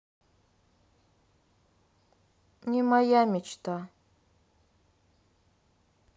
не моя мечта